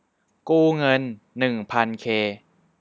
กู้เงินหนึ่งพันเค